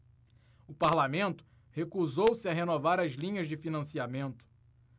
o parlamento recusou-se a renovar as linhas de financiamento